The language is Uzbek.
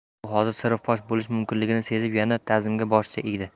u hozir siri fosh bo'lishi mumkinligini sezib yana tazimga bosh egdi